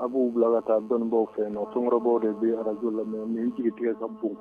A' b'u bila ka taa dɔnnibagaw fɛ yen nɔ fɛnkɔrɔbaw de bɛ arajo lamɛn